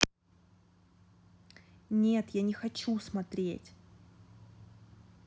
нет я не хочу смотреть